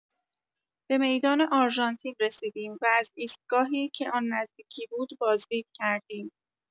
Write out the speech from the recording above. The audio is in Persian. به میدان آرژانتین رسیدیم و از ایستگاهی که آن نزدیکی بود بازدید کردیم.